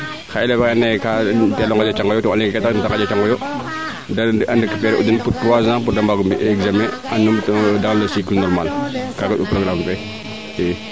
xa eleve axe ando naye ka teela ŋanja cango yo to ande kee tax na de nganja canga yo de recuperer u den pour tois ans pour de mbaago mbi examen a numtu yo dans le cycle normal kaaga reend u programme fee